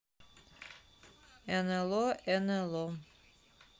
нло нло